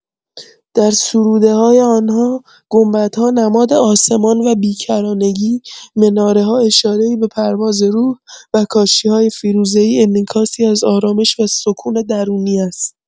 در سروده‌های آن‌ها، گنبدها نماد آسمان و بی‌کرانگی، مناره‌ها اشاره‌ای به پرواز روح، و کاشی‌های فیروزه‌ای انعکاسی از آرامش و سکون درونی است.